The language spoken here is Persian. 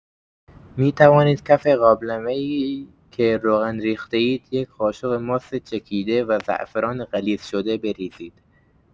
می‌توانید کف قابلمه‌ای که روغن ریخته‌اید، یک قاشق ماست چکیده و زعفران غلیظ شده بریزید.